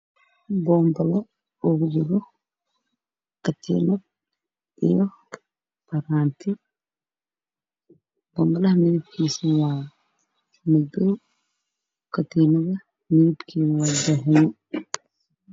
Bonbalo ugu jiro katiinad iyo faraanti